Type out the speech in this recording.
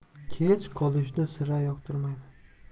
kech qolishni sira yoqtirmayman